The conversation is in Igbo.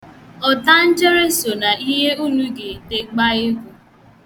Ọtangere so na ihe unu ga-ete gbaa egwu.